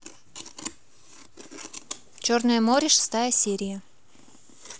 черное море шестая серия